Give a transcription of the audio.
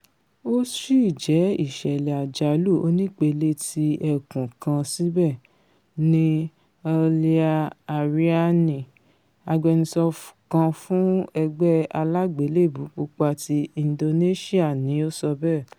Ó sí jẹ́ ìṣẹ̀lẹ̀ àjálù onípele tí ẹkùn kan síbẹ̀,'' ni Aulia Arriani, agbẹnusọ kan fún Ẹgbẹ́ Aláàgbéléèbú Pupa ti Indonesia ni o so bẹẹ̣.